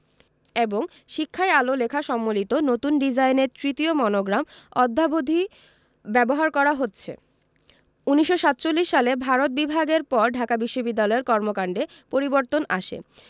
এবং শিক্ষাই আলো লেখা সম্বলিত নতুন ডিজাইনের তৃতীয় মনোগ্রাম অদ্যাবধি ব্যবহার করা হচ্ছে ১৯৪৭ সালে ভারত বিভাগের পর ঢাকা বিশ্ববিদ্যালয়ের কর্মকান্ডে পরিবর্তন আসে